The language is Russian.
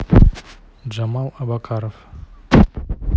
джамал абакаров